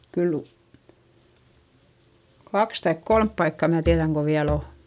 kyllä kaksi tai kolme paikkaa minä tiedän kun vielä on